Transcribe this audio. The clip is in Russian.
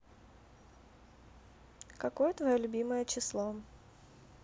какое твое любимое число